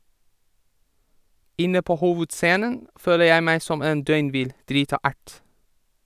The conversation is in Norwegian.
- Inne på Hovudscenen føler jeg meg som en døgnvill , drita ert.